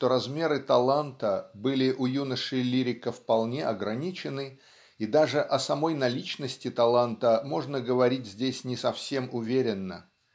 что размеры таланта были у юноши-лирика вполне ограниченны и даже о самой наличности таланта можно говорить здесь не совсем уверенно.